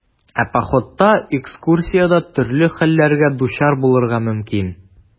Ә походта, экскурсиядә төрле хәлләргә дучар булырга мөмкин.